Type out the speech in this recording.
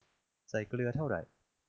ใส่เกลือเท่าไร